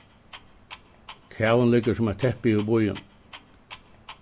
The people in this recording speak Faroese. kavin liggur sum eitt teppi yvir býin